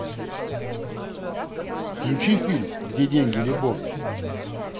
включи фильм где деньги лебовски